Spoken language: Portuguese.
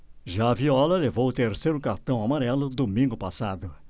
já viola levou o terceiro cartão amarelo domingo passado